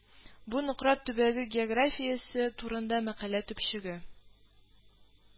Бу Нократ төбәге географиясе турында мәкалә төпчеге